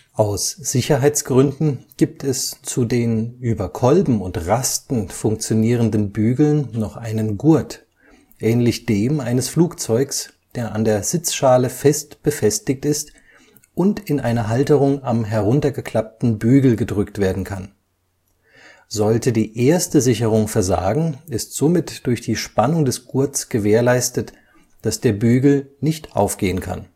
Aus Sicherheitsgründen gibt es zu den über Kolben und Rasten funktionierenden Bügeln noch einen Gurt, ähnlich dem eines Flugzeugs, der an der Sitzschale fest befestigt ist und in eine Halterung am heruntergeklappten Bügel gedrückt werden kann. Sollte die erste Sicherung versagen, ist somit durch die Spannung des Gurts gewährleistet, dass der Bügel nicht aufgehen kann